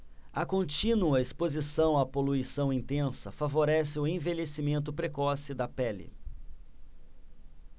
a contínua exposição à poluição intensa favorece o envelhecimento precoce da pele